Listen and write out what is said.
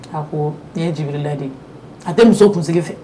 A ko n ye jibiri ladi a tɛ muso tun sigi fɛ